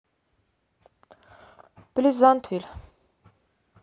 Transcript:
плезантвиль